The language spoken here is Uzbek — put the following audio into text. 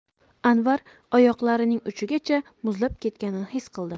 anvar oyoqlarining uchigacha muzlab ketganini his qildi